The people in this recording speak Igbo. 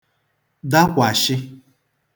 dakwàshị